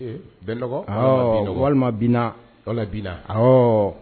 Bɛɛlɔ walima b ala b la ɔ